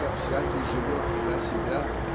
хотя всякий живет за себя